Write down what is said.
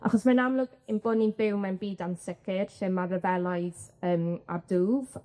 Achos mae'n amlwg ein bo' ni'n byw mewn byd ansicir lle ma' ryfelau'n yym ar dwf.